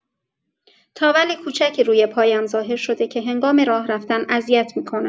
تاول کوچکی روی پایم ظاهر شده که هنگام راه‌رفتن اذیت می‌کند.